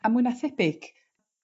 A mwy na thebyg...